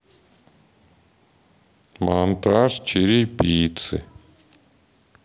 монтаж черепицы